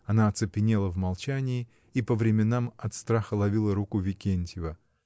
Она оцепенела в молчании и по временам от страха ловила руку Викентьева.